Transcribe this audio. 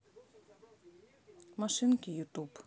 машинки ютуб